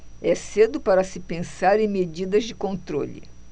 é cedo para se pensar em medidas de controle